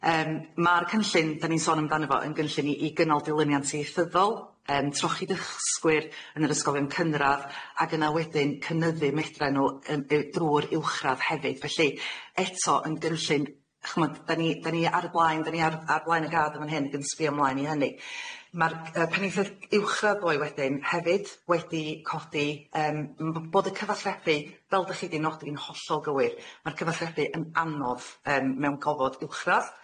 Yym ma'r cynllun 'dan ni'n sôn amdano fo yn gynllun i i gynnal dilyniant ieithyddol yym trochi dy-sgwyr yn yr Ysgolion Cynradd ag yna wedyn cynyddu medre nhw yn yy drw'r uwchradd hefyd felly eto yn gynllun ch'bod 'dan ni 'dan ni ar y blaen 'dan ni ar ar flaen y gâd yn fan hyn ag yn sbio mlaen i hynny ma'r yy penaethiaid uwchradd ddoe wedyn hefyd wedi codi yym m- bod y cyfathrebu fel 'dych chi 'di nodi'n hollol gywir ma'r cyfathrebu yn anodd yym mewn gofod uwchradd,